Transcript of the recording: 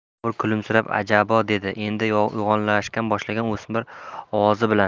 bobur kulimsirab ajabo dedi endi yo'g'onlasha boshlagan o'smir ovozi bilan